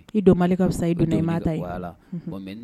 I don ka fisa i don i ma